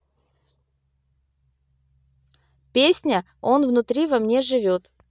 песня он внутри во мне живет